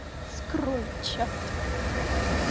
скрой чат